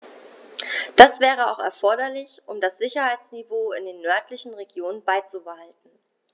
Das wäre auch erforderlich, um das Sicherheitsniveau in den nördlichen Regionen beizubehalten.